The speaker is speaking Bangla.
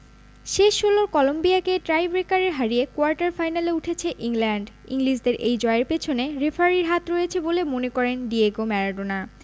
শেষ ষোলোয় কলম্বিয়াকে টাইব্রেকারে হারিয়ে কোয়ার্টার ফাইনালে উঠেছে ইংল্যান্ড ইংলিশদের এই জয়ের পেছনে রেফারির হাত রয়েছে বলে মনে করেন ডিয়েগো ম্যারাডোনা